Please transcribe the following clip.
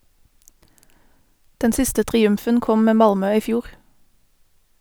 Den siste triumfen kom med Malmö i fjor.